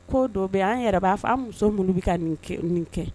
Ko do be ye an yɛrɛ b'a fɔ an muso munnu bi ka nin kɛ